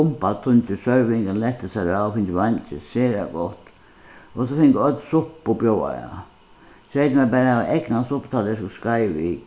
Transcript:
gumpatungir sørvingar lættu sær á og fingu veingir sera gott og so fingu øll suppu bjóðaða treytin var bara at hava egnan supputallerk og skeið við